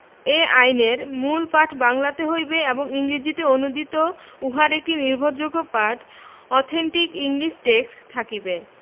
এই আইনের মূল পাঠ বাংলাতে হইবে এবং ইংরেজীতে অনূদিত উহার একটি নির্ভরযোগ্য পাঠ অথেন্টিক ইংলিশ টেক্সট থাকিবে